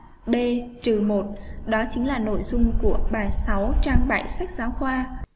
b đó chính là nội dung của bài trang sách giáo khoa